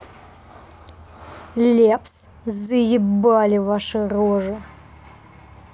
лепс заебали ваши рожи